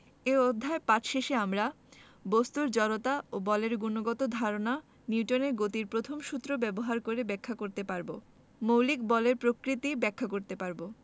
এ অধ্যায় পাঠ শেষে আমরা বস্তুর জড়তা ও বলের গুণগত ধারণা নিউটনের গতির প্রথম সূত্র ব্যবহার করে ব্যাখ্যা করতে পারব মৌলিক বলের প্রকৃতি ব্যাখ্যা করতে পারব